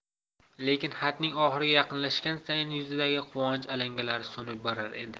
lekin xatning oxiriga yaqinlashgan sayin yuzidagi quvonch alangalari so'nib borar edi